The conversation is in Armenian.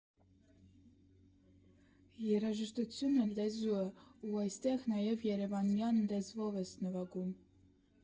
Երաժշտությունը՝ լեզու ա, ու այստեղ նաև երևանյան լեզվով ես նվագում։